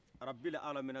rabil alamina